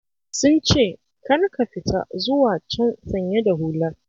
Sun ce, 'kar ka fita zuwa can sanye da hular.'